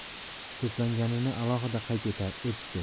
to'planganini alohida qayd etdi